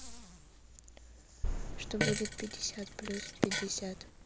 что будет пятьдесят плюс пятьдесят